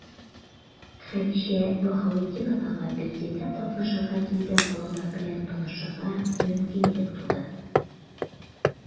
Хәдичә Баһаветдиновага бәйгедә катнашырга килгән балалар белән танышырга мөмкинлек туды.